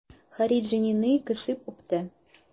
Һарри Джиннины кысып үпте.